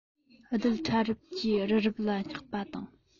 རྡུལ ཕྲ རབ ཀྱིས རི རབ ལ བསྙེགས པ དང